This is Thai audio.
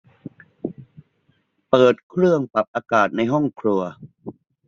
เปิดเครื่องปรับอากาศในห้องครัว